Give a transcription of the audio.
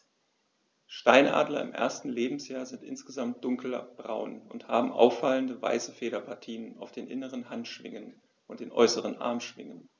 Steinadler im ersten Lebensjahr sind insgesamt dunkler braun und haben auffallende, weiße Federpartien auf den inneren Handschwingen und den äußeren Armschwingen.